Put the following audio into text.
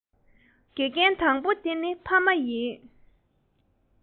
དགེ རྒན དང པོ དེ ནི ཕ མ ཡིན